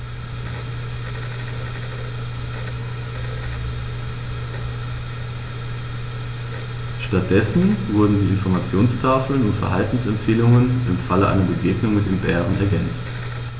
Stattdessen wurden die Informationstafeln um Verhaltensempfehlungen im Falle einer Begegnung mit dem Bären ergänzt.